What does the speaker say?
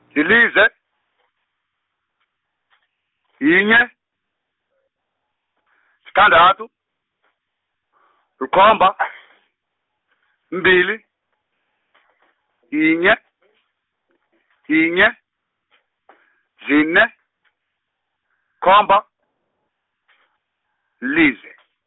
lilize, yinye, sithandathu, likhomba, mbili, yinye, yinye, zine, khomba, lilize.